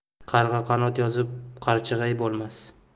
qarg'a qanot yozib qarchig'ay bo'lmas